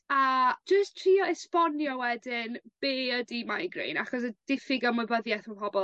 a jyst trio esbonio wedyn be' ydi migraine achos y diffyg ymwybyddiaeth ma' pobol